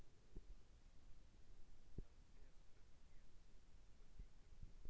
там сбер проведи экскурсию по питеру